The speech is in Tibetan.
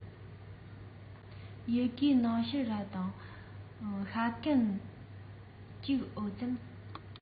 ཡི གེའི ནང ཕྱུར ར དང ཤ སྐམ ལྕུག འོ རྩམ